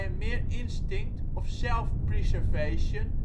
mere instinct of self-preservation